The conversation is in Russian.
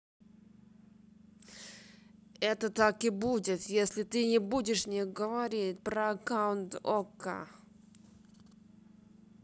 это так и будет если ты не будешь мне говорить про аккаунт okko